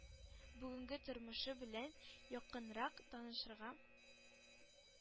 Бүгенге тормышы белән якыннанрак танышырга,